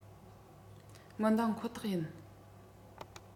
མི འདངས ཁོ ཐག ཡིན